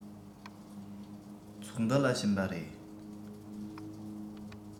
ཚོགས འདུ ལ ཕྱིན པ རེད